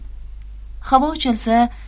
havo ochilsa